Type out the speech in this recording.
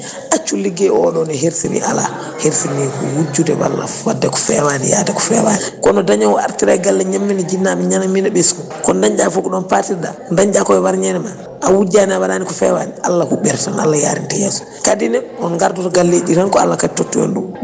accu ligguey oɗon ne hersini ala hersini ko wujjude walla wadde ko, fewani yaade ko fewani kono dañowo artira e galle ñammina jinnaɓe ñammina ɓesgu ko dañɗa fo ko ɗon paatirɗa dañɗa koye warñede ma a wujjani a waɗani ko fewani Allah huɓete tan Allah yarinte yeeso kadi en on gardoto galleji ɗi tan ko Allah kadi tooti on ɗum